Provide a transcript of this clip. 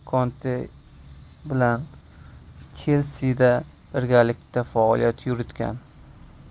konte bilan chelsi da birgalikda faoliyat yuritgan